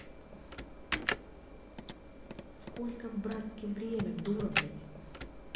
сколько в братске время дура блять